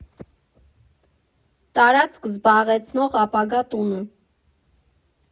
Տարածք զբաղեցնող ապագա տունը։